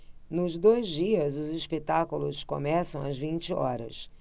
nos dois dias os espetáculos começam às vinte horas